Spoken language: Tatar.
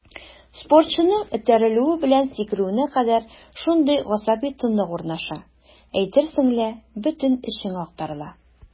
Спортчының этәрелүе белән сикерүенә кадәр шундый гасаби тынлык урнаша, әйтерсең лә бөтен эчең актарыла.